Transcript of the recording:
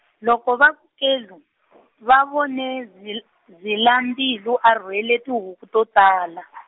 loko va ku kelu , va vone Zil- Zilambilu a rhwele tihuku to tala .